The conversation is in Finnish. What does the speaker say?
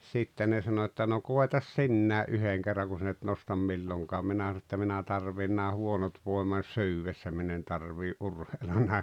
sitten ne sanoi että no koetas sinä yhden kerran kun sinä et nosta milloinkaan minä sanoin että minä tarvitsen nämä huonot voimani syödessä minä en tarvitse urheilla minä